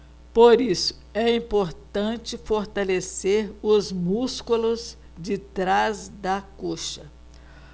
por isso é importante fortalecer os músculos de trás da coxa